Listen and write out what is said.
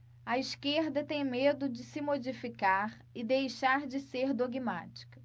a esquerda tem medo de se modificar e deixar de ser dogmática